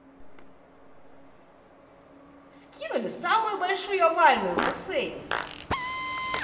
скинули самую большую овальную в бассейн